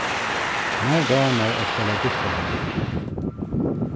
mær dámar at spæla gittara